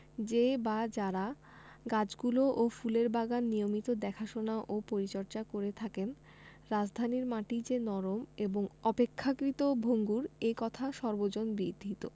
যে বা যারা গাছগুলো ও ফুলের বাগান নিয়মিত দেখাশোনা ও পরিচর্যা করে থাকেন রাজধানীর মাটি যে নরম এবং অপেক্ষাকৃত ভঙ্গুর এ কথা সর্বজনবিদিত